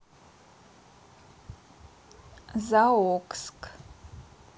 заокск